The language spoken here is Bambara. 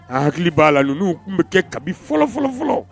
A hakili b'a la n tun bɛ kɛ kabi fɔlɔ fɔlɔ fɔlɔ